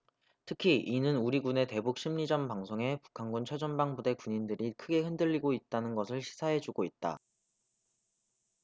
특히 이는 우리 군의 대북 심리전방송에 북한군 최전방부대 군인들이 크게 흔들리고 있다는 것을 시사해주고 있다